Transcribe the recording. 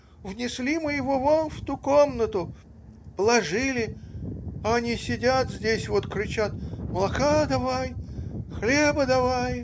внесли мы его, вон в ту комнату, положили, а они сидят здесь вот, кричат. молока давай! хлеба давай!.